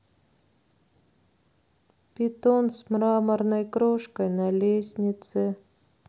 питон с мраморной крошкой на лестнице